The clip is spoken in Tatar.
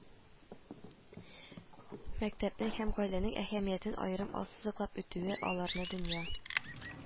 Мәктәпнең һәм гаиләнең әһәмиятен аерым ассызыклап үтүе, аларны дөнья